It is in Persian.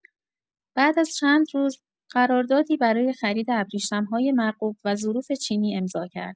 بعد از چند روز، قراردادی برای خرید ابریشم‌های مرغوب و ظروف چینی امضا کرد.